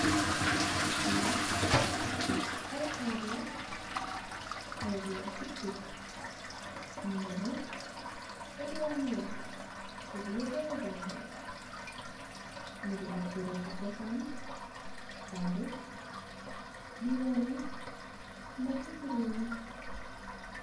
Lii nak, ay xéér la, xéér yu guddu, ci diwaanu wassu, ci biir reewu Gambiya. Mu di ab bërëbu cosaan, taariq, buy wane(not a wolof word) rew mi.